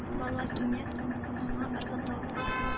Бала кинәт аңа ыргытылды,